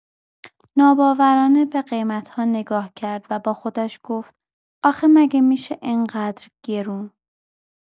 ناباورانه به قیمت‌ها نگاه کرد و با خودش گفت: آخه مگه می‌شه اینقدر گرون؟